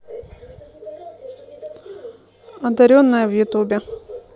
одаренная в ютубе